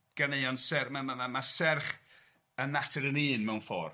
ganeuon ser- ma' ma' ma' ma' serch a natur yn un mewn ffordd.